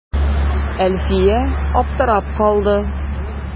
Әлфия аптырап калды.